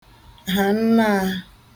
hà nnaā